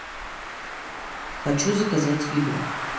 хочу заказать еду